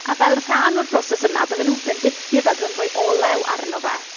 A fel rhan o'r proses yna bydden nhw'n bendithio fe, bydden nhw'n rhoi olew arno fe.